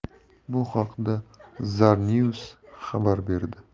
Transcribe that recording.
bu haqda zarnews xabar berdi